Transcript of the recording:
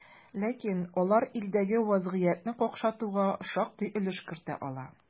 Ләкин алар илдәге вазгыятьне какшатуга шактый өлеш кертә ала.